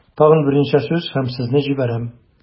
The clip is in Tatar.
Тагын берничә сүз һәм сезне җибәрәм.